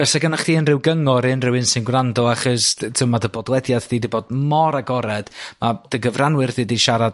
Fysa gynnoch chdi unryw gyngor i unryw un sy'n gwando achos dy- t'mo' ma' dy bodlediad di 'di bod mor agored. A dy gyfranwyr di 'di siarad